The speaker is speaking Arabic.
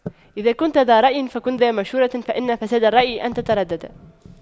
إذا كنتَ ذا رأيٍ فكن ذا مشورة فإن فساد الرأي أن تترددا